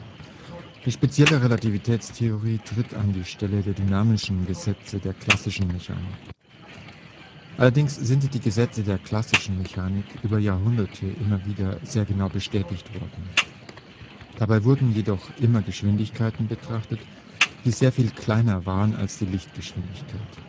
Die spezielle Relativitätstheorie tritt an die Stelle der dynamischen Gesetze der klassischen Mechanik. Allerdings sind die Gesetze der klassischen Mechanik über Jahrhunderte immer wieder sehr genau bestätigt worden. Dabei wurden jedoch immer Geschwindigkeiten betrachtet, die sehr viel kleiner waren als die Lichtgeschwindigkeit